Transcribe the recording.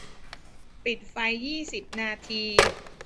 ปิดไฟยี่สิบนาที